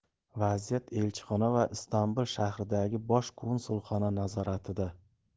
vaziyat elchixona va istanbul shahridagi bosh konsulxona nazoratida